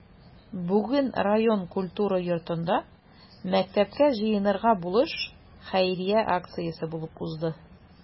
Бүген район культура йортында “Мәктәпкә җыенырга булыш” хәйрия акциясе булып узды.